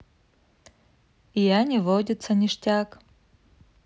я не водится ништяк